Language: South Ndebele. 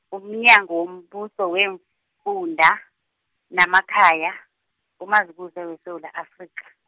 umnyango wombuso weemfunda, namakhaya, uMazibuse weSewula Afrika.